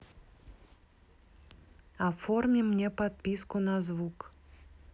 оформи мне подписку на звук